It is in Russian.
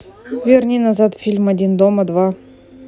верни назад фильм один дома два